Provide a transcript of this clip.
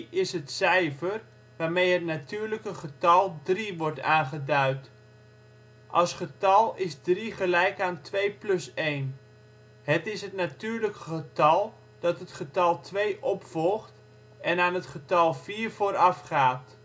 is het cijfer waarmee het natuurlijke getal drie wordt aangeduid. Als getal is 3 gelijk aan 2 + 1. Het is het natuurlijke getal dat het getal twee opvolgt en aan het getal vier voorafgaat